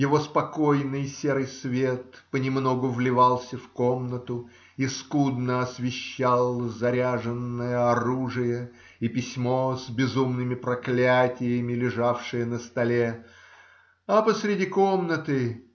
Его спокойный серый свет понемногу вливался в комнату и скудно освещал заряженное оружие и письмо с безумными проклятиями, лежавшее на столе, а посреди комнаты